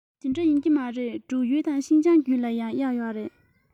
དེ འདྲ ཡིན གྱི མ རེད འབྲུག ཡུལ དང ཤིན ཅང རྒྱུད ལ ཡང གཡག ཡོད རེད